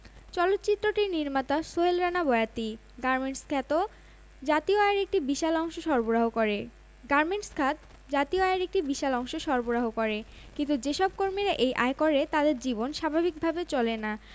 উৎসবে বাংলাদেশের ৩টি পূর্ণদৈর্ঘ্য ও ২টি স্বল্পদৈর্ঘ্য চলচ্চিত্র প্রদর্শিত হবে এবারের সার্ক চলচ্চিত্র উৎসবের মূল প্রতিযোগিতা ফিচার বিভাগে প্রদর্শিত হবে